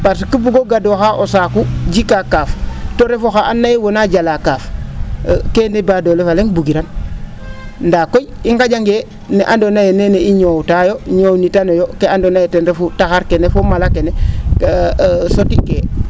parce que bugo gadooxa o saaku jikaa kaaf to ref oxaa andoona yee wo' na jalaa kaaf keene baadoola fa le? bugiran ndaa koy i nga?angee nee andoona yee neene i ñoowtaayo, ñoownitanoyo no ke andoona yee ten refu taxar kene fo mala kene e% sotikee